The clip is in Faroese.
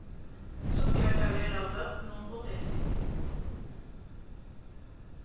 sum gjørdar verða av børnum og lesing